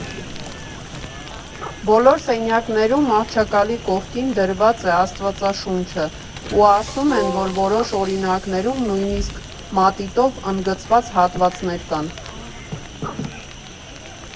Բոլոր սենյակներում մահճակալի կողքին դրված է Աստվածաշունչը, ու ասում են, որ որոշ օրինակներում նույնիսկ մատիտով ընդգծած հատվածներ կան.